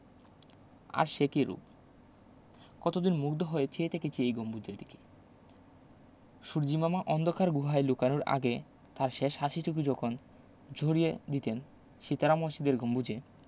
আর সে কি রুপ কতদিন মুগ্ধ হয়ে চেয়ে থেকেছি এই গম্বুজের দিকে সূর্য্যিমামা অন্ধকার গুহায় লুকানোর আগে তাঁর শেষ হাসিটুকু যখন ঝরিয়ে দিতেন সিতারা মসজিদের গম্বুজে